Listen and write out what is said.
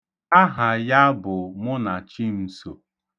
Aha ya bụ Mụnachimso.